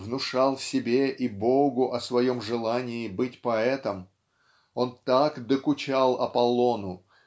внушал себе и Богу о своем желании быть поэтом он так докучал Аполлону